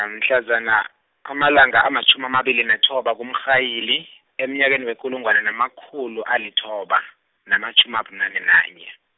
mhlazana, amalanga amatjhumi amabili nethoba kuMrhayili, emnyakeni wekulungwane namkhulu alithoba, namatjhumi abunane nanye.